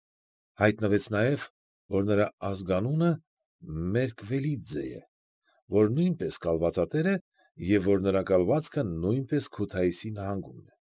Հայտնվեց նաև, որ նրա ազգանունը Մերկվելիձե է, որ նույնպես կալվածատեր է և որ նրա կալվածքը նույնպես Քութայիսի նահանգումն է։